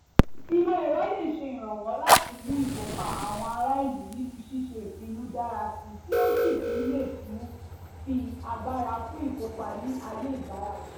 Ìmọ̀-ẹ̀rọ lè ṣe ìrànwọ́ láti mú ìkópa àwọn ará-ìlú nínú ṣíṣe-ìpinnu dára síi tí ó sì tún lè tún fi agbára fún ìkópa ní ayé ìbáraṣe.